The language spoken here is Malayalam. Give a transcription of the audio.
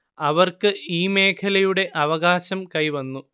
അവർക്ക് ഈ മേഖലയുടെ അവകാശം കൈവന്നു